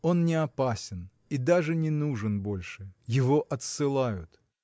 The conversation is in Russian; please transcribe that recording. Он не опасен и даже не нужен больше. Его отсылают.